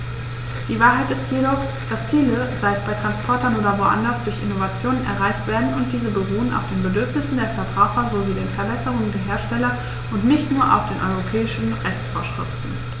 Die Wahrheit ist jedoch, dass Ziele, sei es bei Transportern oder woanders, durch Innovationen erreicht werden, und diese beruhen auf den Bedürfnissen der Verbraucher sowie den Verbesserungen der Hersteller und nicht nur auf europäischen Rechtsvorschriften.